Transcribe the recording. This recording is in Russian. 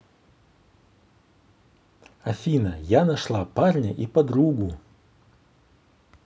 афина я нашла парня и подругу